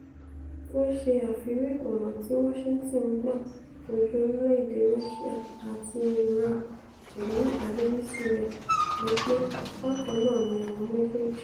Ó ṣe àfiwé ọ̀nà tí Washington ń gbà kojú orílẹ̀èdè Russia àti Iran pẹ̀lú àríwísí rẹ̀ ni pé bákan náà ni àwọn méjèèjì.